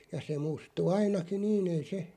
ja se mustui ainakin niin ei se